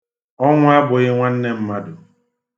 Ọnwụ abụghị nwanne mmadụ.